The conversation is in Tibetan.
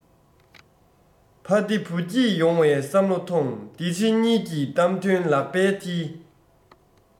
ཕ བདེ བུ སྐྱིད ཡོང བའི བསམ བློ ཐོང འདི ཕྱི གཉིས ཀྱི གཏམ དོན ལག པའི མཐིལ